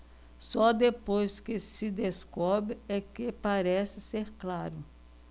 só depois que se descobre é que parece ser claro